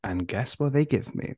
And guess what they give me?